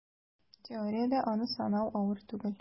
Теориядә аны санау авыр түгел: